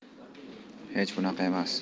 hech bunaqa emas